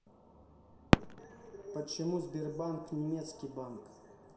почему сбербанк немецкий банк